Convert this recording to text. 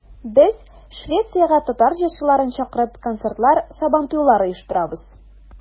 Без, Швециягә татар җырчыларын чакырып, концертлар, Сабантуйлар оештырабыз.